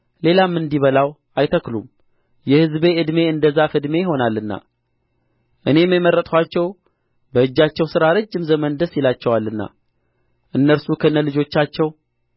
ሌላም እንዲበላው አይተከሉም የሕዝቤ ዕድሜ እንደ ዛፍ ዕድሜ ይሆናልና እኔም የመረጥኋቸው በእጃቸው ሥራ ረጅም ዘመን ደስ ይላቸዋልና እነርሱ ከነልጆቻቸው